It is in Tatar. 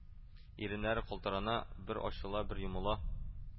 Иреннәре калтырана, бер ачыла, бер йомыла